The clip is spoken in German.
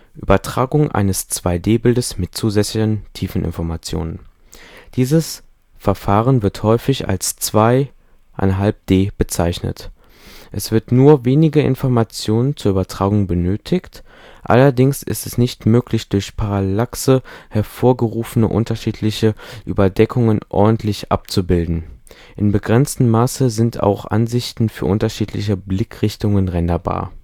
Übertragung eines 2-D-Bildes mit zusätzlichen Tiefeninformationen: Dieses Verfahren wird häufig als 2½-D bezeichnet. Es wird nur wenig Information zur Übertragung benötigt. Allerdings ist es nicht möglich, durch Parallaxe hervorgerufene unterschiedliche Überdeckungen ordentlich abzubilden. In begrenztem Maße sind auch Ansichten für unterschiedliche Blickrichtungen renderbar